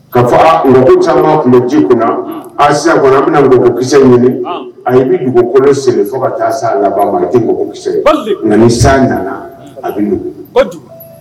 ka fara logo caaman kun be ji kuna , a sisan kɔni, an bɛnna logokisɛ caaman ɲinin a ni dugokolo senni fɔ ka aa se a laban ; ma ayi ɛ logo kisɛ ye; baali; nka ni san nana , a bɛ nugu; unhun